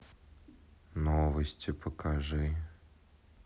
новости покажи